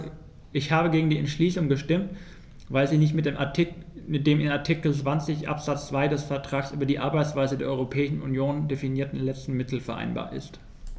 Ich habe gegen die Entschließung gestimmt, weil sie nicht mit dem in Artikel 20 Absatz 2 des Vertrags über die Arbeitsweise der Europäischen Union definierten letzten Mittel vereinbar ist.